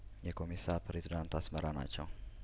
የኮሜሳ ፕሬዝዳንት አስመራ ናቸው